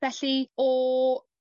Felly o